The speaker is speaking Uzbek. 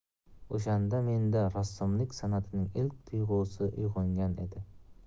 o'shanda menda rassomlik san'atining ilk tug'usi uyg'ongan edi